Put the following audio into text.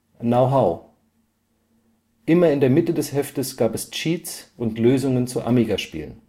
Know How: Immer in der Mitte des Heftes gab es Cheats und Lösungen zu Amiga-Spielen